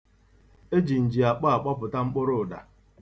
E ji ǹjìàkpọ akpọpụta mkp̣ụrụụda.